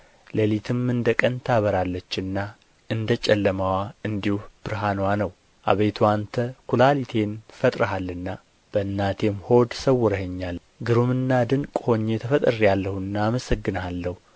ሌሊትም እንደ ቀን ታበራለችና እንደ ጨለማዋ እንዲሁ ብርሃንዋ ነው አቤቱ አንተ ኵላሊቴን ፈጥረሃልና በእናቴም ሆድ ሰውረኸኛል ግሩምና ድንቅ ሆኜ ተፈጥሬአለሁና አመሰግንሃለሁ